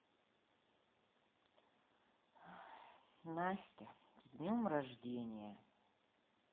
настя с днем рождения